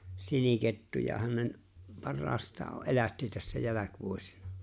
sinikettujahan ne parhaastaan on - elätti tässä jälkivuosina